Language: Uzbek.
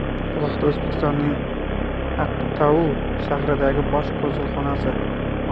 bu haqda o'zbekistonning aqtau shahridagi bosh konsulxonasi